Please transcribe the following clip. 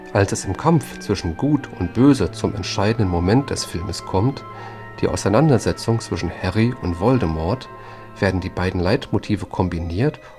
Als es im Kampf zwischen Gut und Böse zum entscheidenden Moment des Films kommt, der Auseinandersetzung zwischen Harry und Voldemort, werden die beiden Leitmotive kombiniert